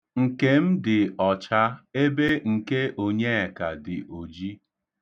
Nke m dị ọcha, ebe nke Onyeka dị oji.